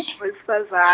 wesfaza-.